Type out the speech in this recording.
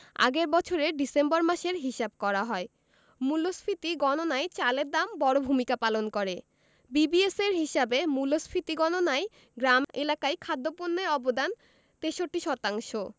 আগের বছরের ডিসেম্বর মাসের হিসাব করা হয় মূল্যস্ফীতি গণনায় চালের দাম বড় ভূমিকা পালন করে বিবিএসের হিসাবে মূল্যস্ফীতি গণনায় গ্রাম এলাকায় খাদ্যপণ্যের অবদান ৬৩ শতাংশ